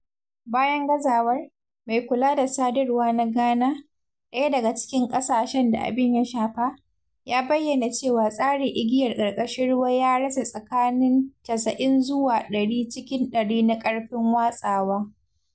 Bayan gazawar, mai kula da sadarwa na Ghana, ɗaya daga cikin ƙasashen da abin ya shafa, ya bayyana cewa tsarin igiyar karkashin ruwa ya rasa tsakanin 90 zuwa 100 cikin 100 na ƙarfin watsawa.